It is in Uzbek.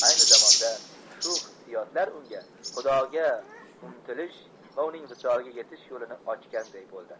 ayni zamonda shu hissiyotlar unga xudoga umtilish va uning visoliga yetish yo'lini ochganday bo'ldi